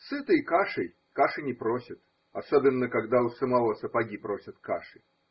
Сытый кашей каши не просит, особенно когда у самого сапоги просят каши.